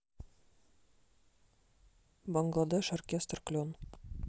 бангладеш оркестр клен